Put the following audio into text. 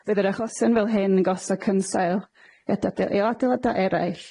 fydd yr achosion fel hyn yn gosod cynsail i adeadau- i o adeilada' eraill